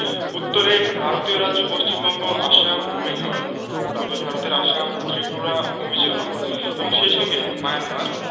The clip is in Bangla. উত্তরে ভারতীয় রাজ্য পশ্চিমবঙ্গ আসাম ও মেঘালয় পূর্বে ভারতের আসাম ত্রিপুরা ও মিজোরাম এবং সেই সঙ্গে মায়ানমার